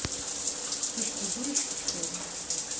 ты что дурочка что ли